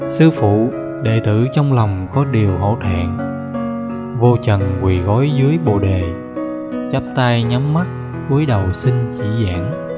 sư phụ đệ tử trong lòng có điều hổ thẹn vô trần quỳ gối dưới bồ đề chắp tay nhắm mắt cúi đầu xin chỉ giảng